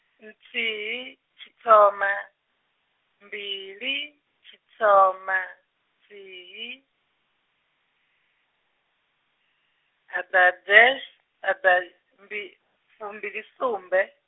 nthihi tshithoma, mbili tshithoma, thihi, haḓa dash haḓa mbi- fumbilisumbe.